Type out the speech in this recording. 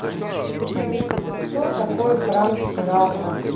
кто такой франк синатра